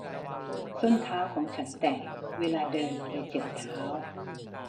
ส้นเท้าของฉันแตกเวลาเดินเลยเจ็บเท้า